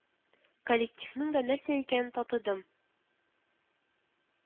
Коллективның да нәрсә икәнен татыдым